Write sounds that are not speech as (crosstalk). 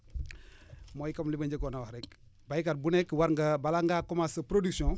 (breath) mooy comme li ma njëkkoon a wax rek (smacks lips) béykat bu nekk war nga bala ngaa commencé sa production